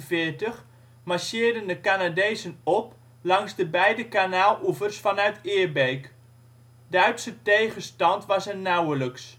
1945 marcheerden de Canadezen op langs de beide kanaaloevers vanuit Eerbeek. Duitse tegenstand was er nauwelijks